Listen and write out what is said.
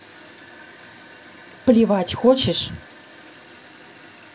плевать хочешь